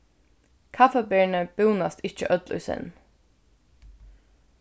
kaffiberini búnast ikki øll í senn